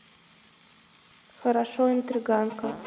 хорошо интриганка